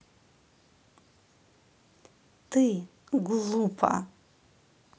ты глупо